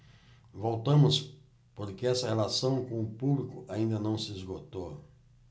voltamos porque essa relação com o público ainda não se esgotou